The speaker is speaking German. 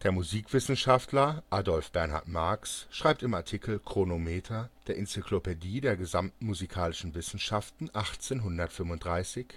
Musikwissenschaftler Adolf Bernhard Marx schreibt im Artikel " Chronometer " der " Encyclopädie der gesammten musikalischen Wissenschaften... “1835: „ Der